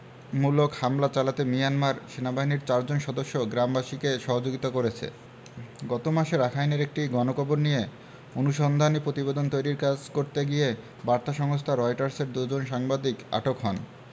মূলক হামলা চালাতে মিয়ানমার সেনাবাহিনীর চারজন সদস্য গ্রামবাসীকে সহযোগিতা করেছে গত মাসে রাখাইনের একটি গণকবর নিয়ে অনুসন্ধানী প্রতিবেদন তৈরির কাজ করতে গিয়ে বার্তা সংস্থা রয়টার্সের দুজন সাংবাদিক আটক হন